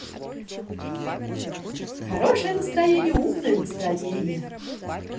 хорошее настроение умное настроения